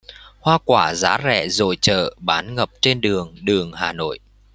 hoa quả giá rẻ dội chợ bán ngập trên đường đường hà nội